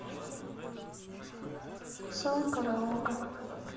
цой караоке